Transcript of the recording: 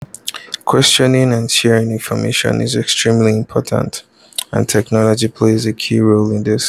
Questioning and sharing information is extremely important, and technology plays a key role in this.